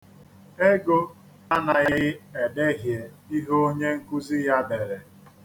Ego anaghị edehie ihe onye nkụzi ya dere.